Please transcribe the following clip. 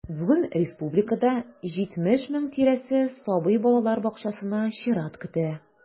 Бүген республикада 70 мең тирәсе сабый балалар бакчасына чират көтә.